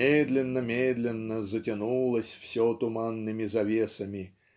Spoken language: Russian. медленно-медленно затянулось все туманными завесами